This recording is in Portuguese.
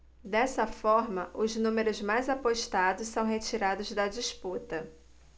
dessa forma os números mais apostados são retirados da disputa